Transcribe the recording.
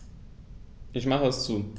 Ich mache es zu.